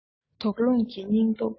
དོགས སློང གི སྙིང སྟོབས